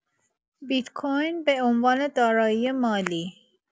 بیت‌کوین به‌عنوان دارایی مالی